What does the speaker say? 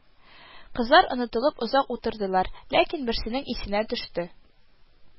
Кызлар онытылып озак утырдылар, ләкин берсенең исенә төште: